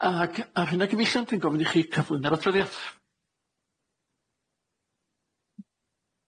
Ag ar hynna gyfeillion dwi'n gofyn i chi cyflwyno'r adroddiad.